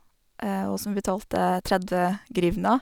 Og som vi betalte tredve hryvnja.